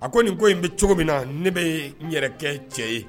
A ko nin ko in bɛ cogo min na ne bɛ n yɛrɛ kɛ cɛ ye